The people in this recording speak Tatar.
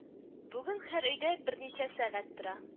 Бүген һәр өйдә берничә сәгать тора